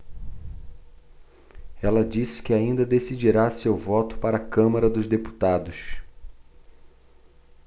ela disse que ainda decidirá seu voto para a câmara dos deputados